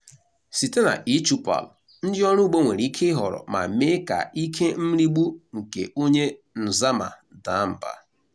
Site na eChoupal, ndị ọrụ ugbo nwere ike ịhọrọ ma mee ka ike nrigbu nke onye nzama daa mba.